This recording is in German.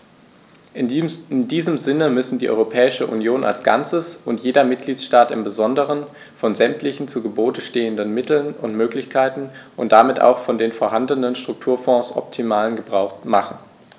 In diesem Sinne müssen die Europäische Union als Ganzes und jeder Mitgliedstaat im Besonderen von sämtlichen zu Gebote stehenden Mitteln und Möglichkeiten und damit auch von den vorhandenen Strukturfonds optimalen Gebrauch machen.